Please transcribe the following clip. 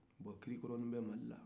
o kirikɔrɔnin bɛ mali la